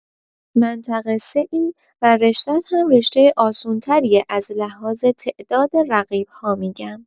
منطقه سه‌ای و رشتت هم‌رشته آسون تریه از لحاظ تعداد رقیب‌ها می‌گم